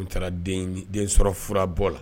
N taara den sɔrɔ furabɔ la